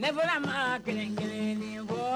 Ne fana m'a kelenkelennin fɔ